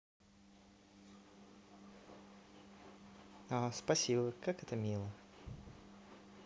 о спасибо как это мило